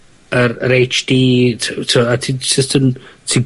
yr yr heich dee ty- t'wo' a ti jyst yn ti...